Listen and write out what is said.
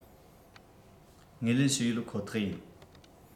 ངོས ལེན ཞུས ཡོད ཁོ ཐག ཡིན